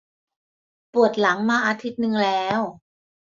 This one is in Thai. ปวดหลังมาอาทิตย์หนึ่งแล้ว